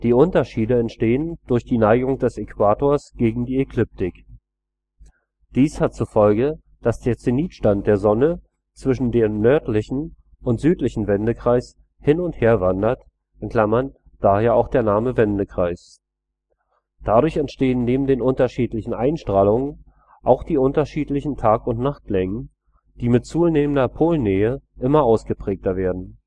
Unterschiede entstehen durch die Neigung des Äquators gegen die Ekliptik. Dies hat zur Folge, dass der Zenitstand der Sonne zwischen dem nördlichen und südlichen Wendekreis hin - und herwandert (daher auch der Name Wendekreis). Dadurch entstehen neben den unterschiedlichen Einstrahlungen auch die unterschiedlichen Tag - und Nachtlängen, die mit zunehmender Polnähe immer ausgeprägter werden